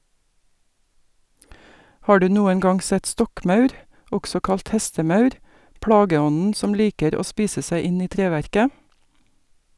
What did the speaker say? Har du noen gang sett stokkmaur , også kalt hestemaur , plageånden som liker å spise seg inn i treverket?